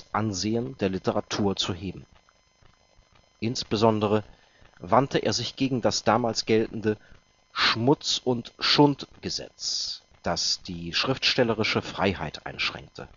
Ansehen der Literatur zu heben. Insbesondere wandte er sich gegen das damals geltende „ Schmutz - und Schundgesetz “, das die schriftstellerische Freiheit einschränkte